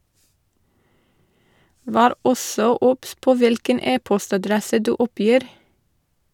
Vær også obs på hvilken e-postadresse du oppgir.